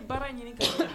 Baara ɲini